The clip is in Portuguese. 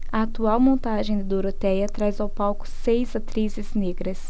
a atual montagem de dorotéia traz ao palco seis atrizes negras